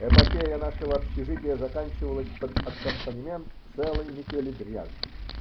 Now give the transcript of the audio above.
Эпопея нашего общежития заканчивалась под аккомпанемент целой метели дрязг.